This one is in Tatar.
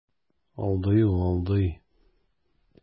Алдый ул, алдый.